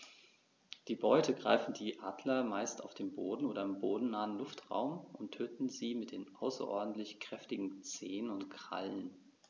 Die Beute greifen die Adler meist auf dem Boden oder im bodennahen Luftraum und töten sie mit den außerordentlich kräftigen Zehen und Krallen.